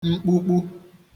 mkpukpu